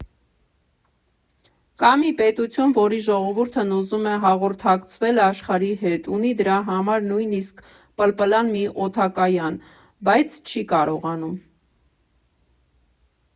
Կա մի պետություն, որի ժողովուրդն ուզում հաղորդակցվել աշխարհի հետ, ունի դրա համար նույնիսկ պլպլան մի օդակայան, բայց չի կարողանում։